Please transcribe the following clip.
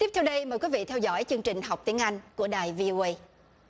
tiếp theo đây mời quý vị theo dõi chương trình học tiếng anh của đài vi ô ây